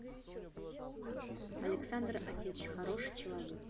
александр отеч хороший человек